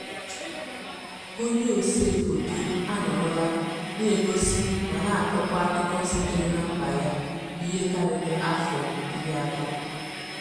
Onye ose foto a anọrọla na-egosi ma na-akọkwa akụkọ sitere na mba ya ihe karịrị afọ 30.